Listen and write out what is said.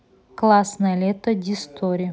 классное лето дистори